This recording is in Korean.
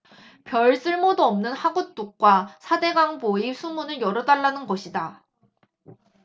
별 쓸모도 없는 하굿둑과 사 대강 보의 수문을 열어달라는 것이다